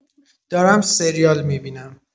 دارم سریال می‌بینم.